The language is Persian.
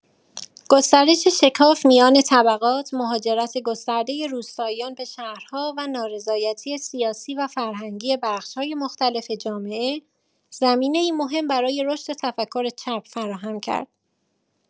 گسترش شکاف میان طبقات، مهاجرت گسترده روستاییان به شهرها و نارضایتی سیاسی و فرهنگی بخش‌های مختلف جامعه، زمینه‌ای مهم برای رشد تفکر چپ فراهم کرد.